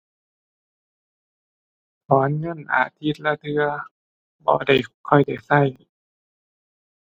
ถอนเงินอาทิตย์ละเทื่อ บ่ได้ค่อยได้ใช้